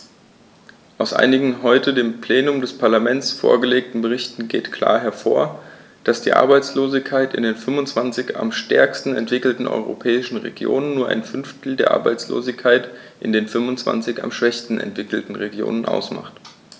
Aus einigen heute dem Plenum des Parlaments vorgelegten Berichten geht klar hervor, dass die Arbeitslosigkeit in den 25 am stärksten entwickelten europäischen Regionen nur ein Fünftel der Arbeitslosigkeit in den 25 am schwächsten entwickelten Regionen ausmacht.